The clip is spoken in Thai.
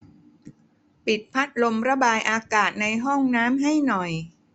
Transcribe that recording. ปิดพัดลมระบายอากาศในห้องน้ำให้หน่อย